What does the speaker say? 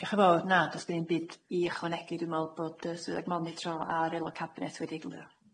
Dioch yn fawr na do's gen i'm byd i ychwanegu dwi me'wl bod yy swyddog monitrol ar eulo cabinet wedi egluro.